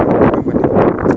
Amady